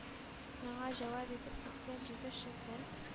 Моңа җавап итеп, сиксән җиде шәкерт